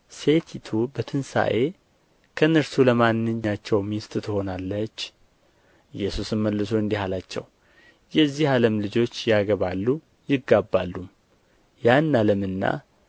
ሴቲቱ በትንሣኤ ከእነርሱ ለማንኛቸው ሚስት ትሆናለች ኢየሱስም መልሶ እንዲህ አላቸው የዚህ ዓለም ልጆች ያገባሉ ይጋባሉም ያን ዓለምና